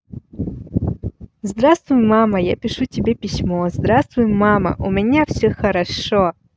здравствуй мама я пишу тебе письмо здравствуй мама у меня все хорошо